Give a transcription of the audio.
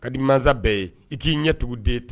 Ka di mansasa bɛɛ ye i k'i ɲɛ tuguden ta